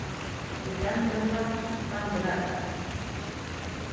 o'qigan bilmas uqqan bilar